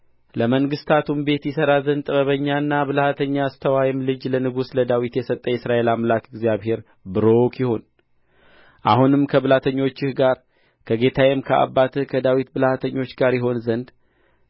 ለመንግሥቱም ቤት ይሠራ ዘንድ ጥበበኛና ብልሃተኛ አስተዋይም ልጅ ለንጉሡ ለዳዊት የሰጠ የእስራኤል አምላክ እግዚአብሔር ቡሩክ ይሁን አሁንም ከብልሃተኞችህ ጋር ከጌታዬም ከአባትህ ከዳዊት ብልሃተኞች ጋር ይሆን ዘንድ